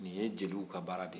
nin ye jeli ka baara de ye